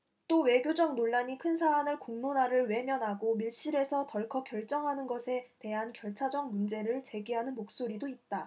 또 외교적 논란이 큰 사안을 공론화를 외면하고 밀실에서 덜컥 결정한 것에 대한 절차적 문제를 제기하는 목소리도 있다